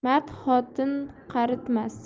mard xotinin qaritmas